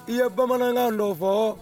I ye bamanankan dɔ fɔ